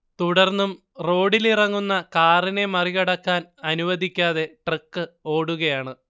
തുടർന്നും റോഡിലിറങ്ങുന്ന കാറിനെ മറികടക്കാൻ അനുവദിക്കാതെ ട്രക്ക് ഓടുകയാണ്